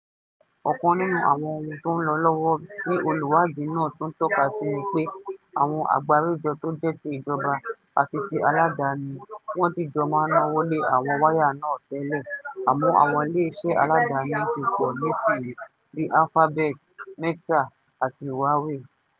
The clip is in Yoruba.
Ọ̀kan nínú àwọn ohun tó ń lọ lọ́wọ́ tí olùwádìí náà tún tọ́ka sí ni pé àwọn àgbáríjọ tó jẹ́ ti ìjọba àti ti aládani wọ́n dìjọ máa ń náwó lé àwọn wáyà náà tẹ́lẹ̀, àmọ́ àwọn iléeṣẹ́ aládaní ti pọ̀ nísìnyìí bíi Alphabet, Meta àti Huawei.